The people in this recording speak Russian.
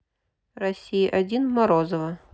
россия один морозова